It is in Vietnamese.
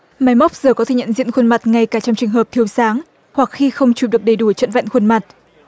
máy móc giờ có thể nhận diện khuôn mặt ngay cả trong trường hợp thiếu sáng hoặc khi không chụp được đầy đủ trọn vẹn khuôn mặt